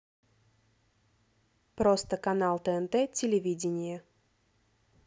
просто канал тнт телевидение